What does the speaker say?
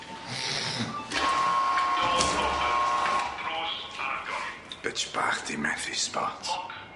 Doors open. Drws ar agor. Bitch bach di methu spot.